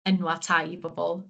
enwa' tai i bobol.